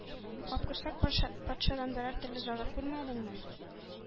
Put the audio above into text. Капкорсак патшадан берәр төрле зарар күрмәдеңме?